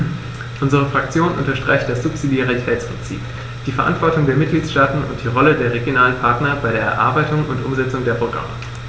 Unsere Fraktion unterstreicht das Subsidiaritätsprinzip, die Verantwortung der Mitgliedstaaten und die Rolle der regionalen Partner bei der Erarbeitung und Umsetzung der Programme.